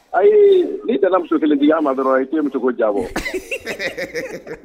Ayi n'imuso kelen di'a ma dɔrɔn i te muso ko jabɔ